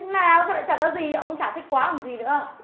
như nào sao lại chả ra gì ông lại chả thích quá còn gì nữa